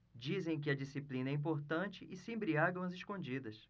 dizem que a disciplina é importante e se embriagam às escondidas